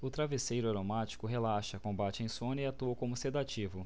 o travesseiro aromático relaxa combate a insônia e atua como sedativo